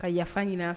Ka yafa ɲin